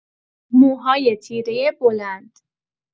موهای تیره بلند